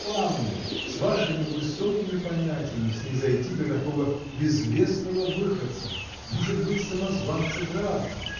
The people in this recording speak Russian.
Вам ли, с вашими высокими понятиями, снизойти до какого-то безвестного выходца, может быть, самозванца-графа.